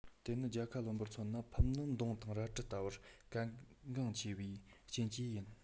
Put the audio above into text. དེ ནི རྒྱལ ཁ ལོན པར མཚོན ན ཕུབ ནི མདུང དང རལ གྲི ལྟ བུར གལ འགངས ཆེ བའི རྐྱེན གྱིས ཡིན